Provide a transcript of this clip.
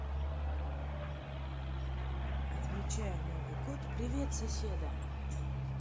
отмечая новый год привет соседа